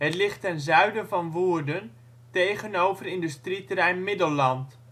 ligt ten zuiden van Woerden tegenover industrieterrein Middelland